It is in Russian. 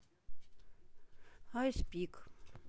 айс пик